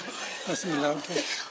Ma' isie myn' lawr 'to.